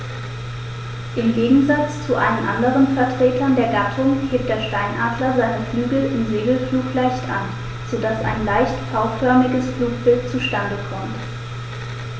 Im Gegensatz zu allen anderen Vertretern der Gattung hebt der Steinadler seine Flügel im Segelflug leicht an, so dass ein leicht V-förmiges Flugbild zustande kommt.